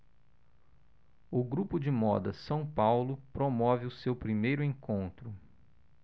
o grupo de moda são paulo promove o seu primeiro encontro